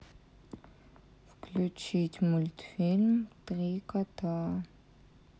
включить мультфильм три кота